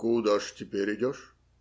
- Куда ж теперь идешь?